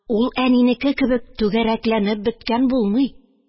Ул әнинеке кебек түгәрәкләнеп беткән булмый